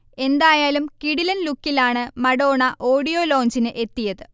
എന്തായാലും കിടിലൻ ലുക്കിലാണ് മഡോണ ഓഡിയോ ലോഞ്ചിന് എത്തിയത്